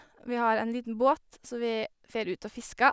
Vi har en liten båt, så vi fer ut og fisker.